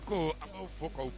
Ko a b'aw fo k'aw